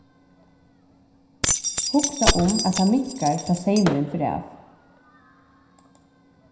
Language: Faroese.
hugsa um at tað minkar tá seymurin fer av